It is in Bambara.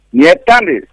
Nin ye ta de